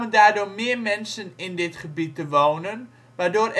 daardoor meer mensen in dit gebied te wonen, waardoor